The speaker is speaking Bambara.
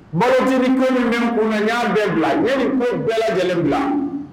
Barotigiinin kunun bɛ kun na ɲ' bɛ bila ɲɛ ni ko bɛɛ lajɛlen bila